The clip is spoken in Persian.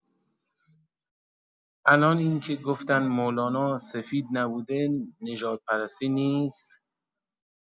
الان این که گفتن مولانا سفید نبوده نژادپرستی نیست؟